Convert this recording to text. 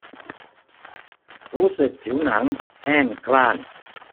รู้สึกผิวหนังแห้งกร้าน